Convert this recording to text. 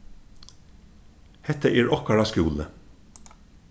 hetta er okkara skúli